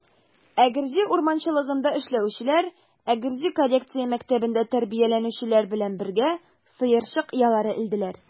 Әгерҗе урманчылыгында эшләүчеләр Әгерҗе коррекция мәктәбендә тәрбияләнүчеләр белән бергә сыерчык оялары элделәр.